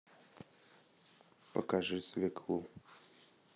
покажи свеклу